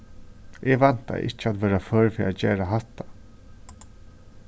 eg væntaði ikki at vera før fyri at gera hatta